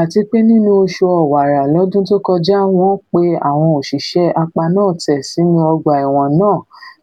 Àtipé nínú oṣù Ọ̀wàrà lọ́dún tó kọjá wọ́n pé àwọn òṣìṣẹ́ apaná-ọ̀tẹ̀ sínú ọgbà-ẹ̀wọ̀n náà